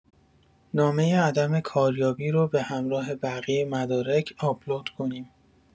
نامۀ عدم کاریابی رو به همراه بقیۀ مدارک آپلود کنیم